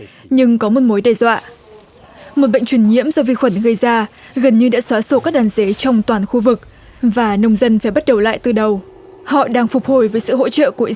nhưng có một mối đe dọa một bệnh truyền nhiễm do vi khuẩn gây da gần như đã xóa sổ các đàn dế trong toàn khu vực và nông dân phải bắt đầu lại từ đầu họ đang phục hồi với sự hỗ trợ của